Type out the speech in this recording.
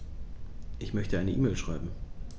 Ich möchte eine E-Mail schreiben.